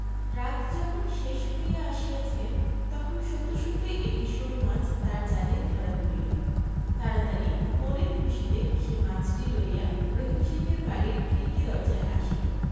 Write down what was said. রাত যখন শেষ হইয়া আসিয়াছে তখন সত্য সত্যই একটি শোলমাছ তাহার জালে ধরা পড়িল তাড়াতাড়ি মনের খুশীতে সে মাছটি লইয়া রহিম শেখের বাড়ির খিড়কি দরজায় আসিল